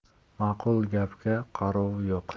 ma'qul gapga qoruv yo'q